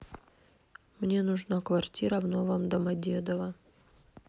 мне нужна квартира в новом домодедово